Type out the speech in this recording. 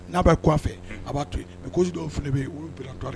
N'a bɛ ye fɛ a b'a to ko dɔw fana bɛ bila